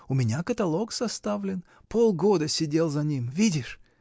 У меня каталог составлен: полгода сидел за ним. Видишь!.